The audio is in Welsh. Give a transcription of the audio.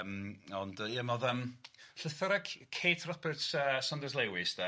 Yym ond yy ie ma' o'dd yym llythyrau C- Kate Roberts a Saunders Lewis de?